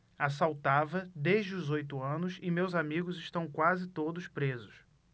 assaltava desde os oito anos e meus amigos estão quase todos presos